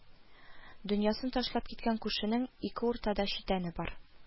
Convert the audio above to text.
Дөньясын ташлап киткән күршенең ике уртада читәне бар